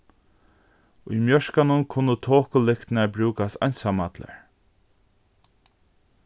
í mjørkanum kunnu tokulyktirnar brúkast einsamallar